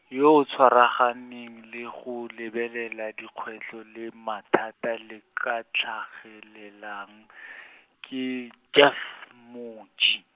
yo o tshwaraganeng le go lebelela dikgwetlho le mathata le ka tlhagelelang , ke Jeff Moji.